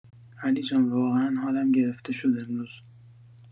علی‌جان واقعا حالم گرفته شد امروز.